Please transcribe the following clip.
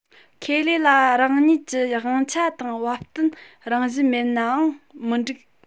ཁེ ལས ལ རང ཉིད ཀྱི དབང ཆ དང བབ བསྟུན རང བཞིན མེད ནའང མི འགྲིག